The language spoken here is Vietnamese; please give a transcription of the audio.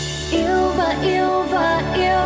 yêu và yêu và